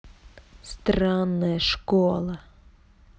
странная школа